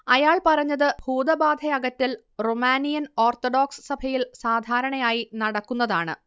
അയാൾ പറഞ്ഞത് ഭൂതബാധയകറ്റൽ റൊമാനിയൻ ഓർത്തഡോക്സ് സഭയിൽ സാധാരണയായി നടക്കുന്നതാണ്